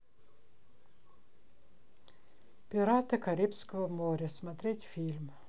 пираты карибского моря смотреть фильм